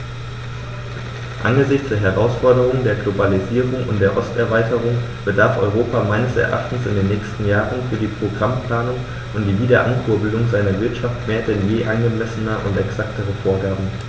Angesichts der Herausforderung der Globalisierung und der Osterweiterung bedarf Europa meines Erachtens in den nächsten Jahren für die Programmplanung und die Wiederankurbelung seiner Wirtschaft mehr denn je angemessener und exakter Vorgaben.